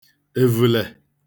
èvùlè